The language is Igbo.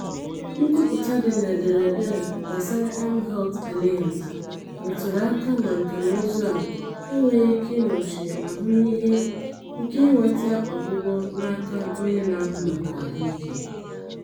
Nkwupụta dị n'ederede gbasara mHealth Alliance rụtụrụ aka ná nkànaụzụ a enweghị ike ịnọchi ahụmihe nke ịnweta ọgwụgwọ n'aka onye na-ahụ maka ahụike.